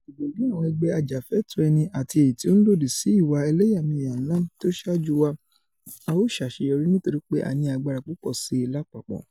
Ṣùgbọ́n, bí àwọn ẹgbẹ́ ajàfẹ́ẹ̀tọ́-ẹni àti èyití ó ńlódì sí ìwà ẹlẹ́yàmẹ̀yà ńlá tó saájú wa, a ó ṣàṣeyọrí, nítorípe a ni agbára púpọ̀ síi lápapọ̀.